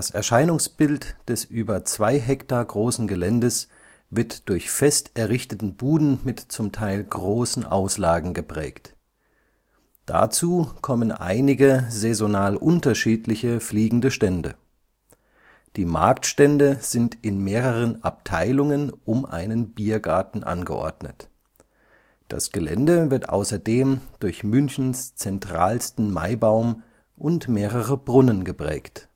Erscheinungsbild des über zwei Hektar großen Geländes wird durch fest errichteten Buden mit zum Teil großen Auslagen geprägt. Dazu kommen einige saisonal unterschiedliche fliegende Stände. Die Marktstände sind in mehreren Abteilungen um einen Biergarten angeordnet. Das Gelände wird außerdem durch Münchens zentralsten Maibaum und mehrere Brunnen geprägt